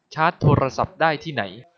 ชาร์จโทรศัพท์ได้ที่ไหน